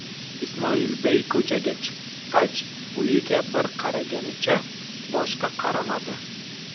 ismoilbey ko'chaga chiqqach uyiga bir qaraganicha boshqa qaramadi